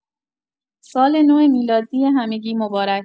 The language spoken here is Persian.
سال‌نو میلادی همگی مبارک